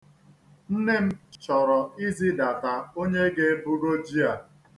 Nne m chọrọ izidata onye ga-ebugo ji a.